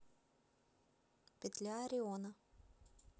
петля ориона